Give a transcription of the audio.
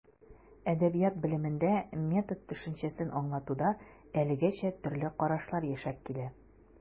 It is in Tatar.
Әдәбият белемендә метод төшенчәсен аңлатуда әлегәчә төрле карашлар яшәп килә.